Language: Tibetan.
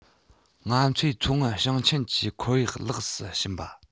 ང ཚོས མཚོ སྔོན ཞིང ཆེན གྱི ཁོར ཡུག ལེགས སུ ཕྱིན པ